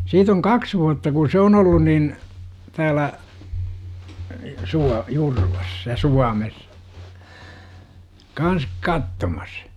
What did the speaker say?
siitä on kaksi vuotta kun se on ollut niin täällä - Jurvassa ja Suomessa kanssa katsomassa